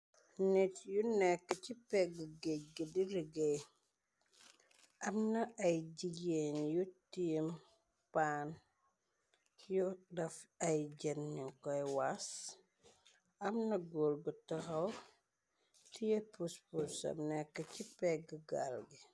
Niit yu nekk ci pegg géej gi di liggéey amna ay jigeen yu tiim paan yu daf ay jënnu koy wass amna gorgu taxaw tieppuspusam nekk ci pegg gaal gi.